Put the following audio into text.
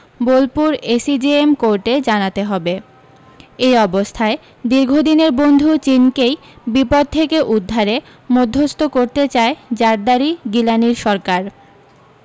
Bolpur ACJM কোর্টে জানাতে হবে এই অবস্থায় দীর্ঘদিনের বন্ধু চীনকেই বিপদ থেকে উদ্ধারে মধ্যস্থ করতে চায় জারদারি গিলানির সরকার